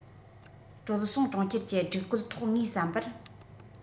དྲོད སྲུང གྲོང ཁྱེར གྱི སྒྲིག བཀོད ཐོག ངའི བསམ པར